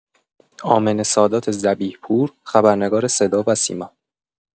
آمنه سادات ذبیح پور، خبرنگار صداوسیما